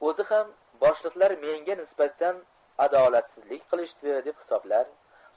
o'zi ham boshliqlar menga nisbatan adolatsizlik qilishdi deb hisoblar